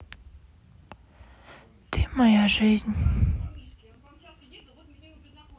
ты моя жизнь